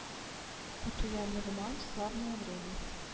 Кутуя нугман славное время